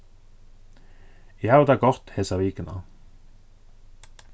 eg havi tað gott hesa vikuna